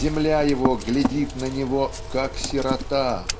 земля его глядит на него "как сирота"